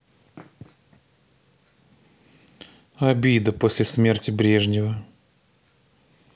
обида после смерти брежнева